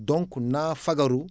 donc naa fagaru